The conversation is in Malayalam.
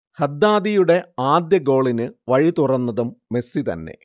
ഹദ്ദാദിയുടെ ആദ്യ ഗോളിന് വഴി തുറന്നതും മെസ്സി തന്നെ